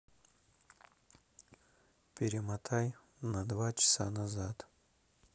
перемотай на два часа назад